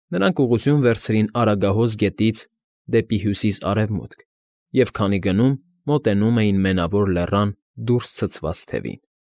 Նրանք ուղղություն վերցրին Արագահոս գետից դեպի հյուսիս֊արևմուտք և քանի գնում, մոտենում էին Մենավոր Լեռան դուրս ցցված թևին։